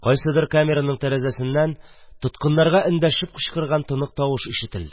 Кайсыдыр камераның тәрәзәсеннән тоткыннарга эндәшеп кычкырган тонык тавыш ишетелде.